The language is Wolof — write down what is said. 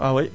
ah oui